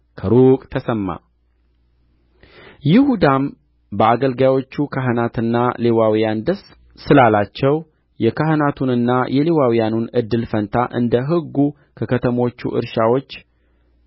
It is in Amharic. ከሩቅ ተሰማ ይሁዳም በአገልጋዮቹ ካህናትና ሌዋውያን ደስ ስላላቸው የካህናቱንና የሌዋውያኑን እድል ፈንታ እንደ ሕጉ ከከተሞች እርሻዎች